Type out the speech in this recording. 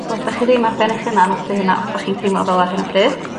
so dachi ddim ar ben 'ych hunan os 'di hynna os dachi'n teimlo fela ar hyn o bryd.